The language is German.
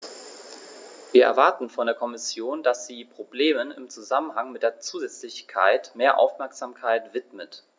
Wir erwarten von der Kommission, dass sie Problemen im Zusammenhang mit der Zusätzlichkeit mehr Aufmerksamkeit widmet.